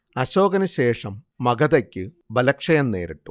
അശോകനുശേഷം മഗധയ്ക്ക് ബലക്ഷയം നേരിട്ടു